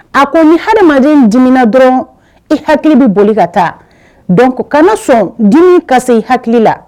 A ko ni adamaden dimina dɔrɔn e hakili bɛ boli ka taa don kana sɔn di kasi se i hakili la